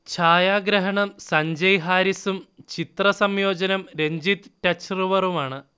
ഛായാഗ്രഹണം സഞ്ജയ് ഹാരിസും ചിത്രസംയോജനം രഞ്ജിത്ത് ടച്ച്റിവറുമാണ്